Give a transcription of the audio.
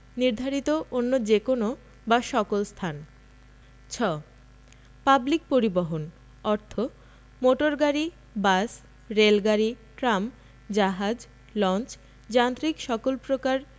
নির্ধারিত অন্য যে কোন বা সকল স্থান ছ পাবলিক পরিবহণ অর্থ মোটর গাড়ী বাস রেলগাড়ী ট্রাম জাহাজ লঞ্চ যান্ত্রিক সকল প্রকার